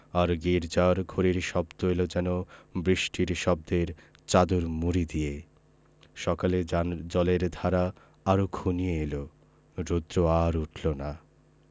আর গির্জ্জার ঘড়ির শব্দ এল যেন বৃষ্টির শব্দের চাদর মুড়ি দিয়ে সকালে যান জলের ধারা আরো ঘনিয়ে এল রোদ্র আর উঠল না